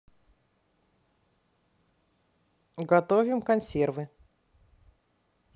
готовим консервы